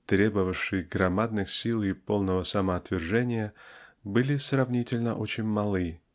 требовавшей громадных сил и полного самоотвержения были сравнительно очень малы